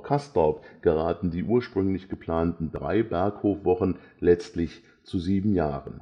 Castorp geraten die ursprünglich geplanten drei Berghof-Wochen letztlich zu sieben Jahren.